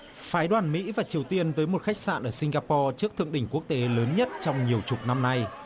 phái đoàn mỹ và triều tiên tới một khách sạn ở sing ga po trước thượng đỉnh quốc tế lớn nhất trong nhiều chục năm nay